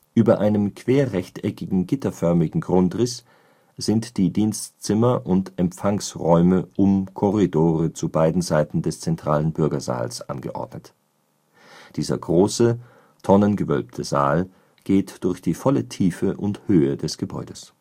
Über einem querrechteckigen, gitterförmigen Grundriss sind die Dienstzimmer und Empfangsräume um Korridore zu beiden Seiten des zentralen Bürgersaals angeordnet. Dieser große, tonnengewölbte Saal geht durch die volle Tiefe und Höhe des Gebäudes